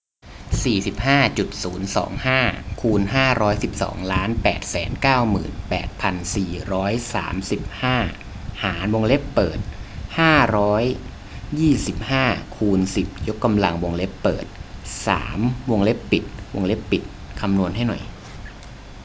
สี่สิบห้าจุดศูนย์สองห้าคูณห้าร้อยสิบสองล้านแปดแสนเก้าหมื่นแปดพันสี่ร้อยสามสิบห้าหารวงเล็บเปิดห้าร้อยยี่สิบห้าคูณสิบยกกำลังวงเล็บเปิดสามวงเล็บปิดวงเล็บปิดคำนวณให้หน่อย